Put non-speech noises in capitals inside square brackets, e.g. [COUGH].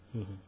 [HESITATION] [HESITATION]